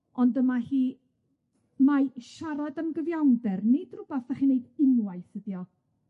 ond dyma hi mae siarad am gyfiawnder nid rwbath 'dach chi'n neud unwaith ydi o